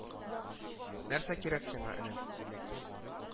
Нәрсә кирәк сиңа, энем